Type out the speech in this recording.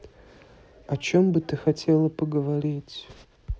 о чем бы ты хотела поговорить